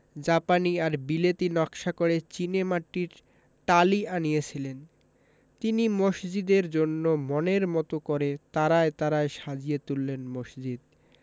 জাপানি আর বিলেতী নকশা করে চীনেমাটির টালি আনিয়েছিলেন তিনি মসজিদের জন্যে মনের মতো করে তারায় তারায় সাজিয়ে তুললেন মসজিদ